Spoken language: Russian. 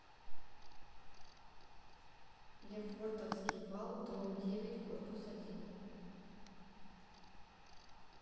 лефортовский вал дом девять корпус один